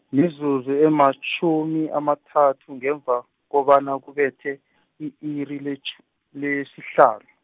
mizuzu ematjhumi amathathu ngemva kobana kubethe, i-iri letjh-, lesihlanu.